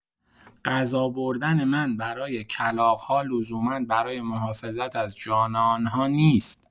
غذا بردن من برای کلاغ‌ها لزوما برای محافظت از جان آن‌ها نیست.